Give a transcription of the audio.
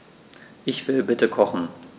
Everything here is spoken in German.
Ich will bitte kochen.